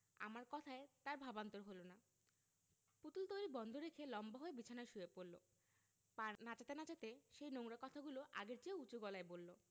আমার কথায় তার ভাবান্তর হলো না পুতুল তৈরী বন্ধ রেখে লম্বা হয়ে বিছানায় শুয়ে পড়লো পা নাচাতে নাচাতে সেই নোংরা কথাগুলি আগের চেয়েও উচু গলায় বললো